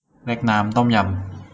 เล็กน้ำต้มยำ